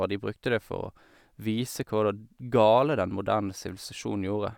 Og de brukte det for å vise hvorda galt den moderne sivilisasjonen gjorde.